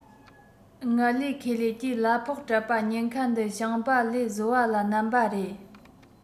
ངལ ལས ཁེ ལས ཀྱིས གླ ཕོགས སྤྲད པ ཉེན ཁ འདི ཞིང པ ལས བཟོ པ ལ བསྣན པ རེད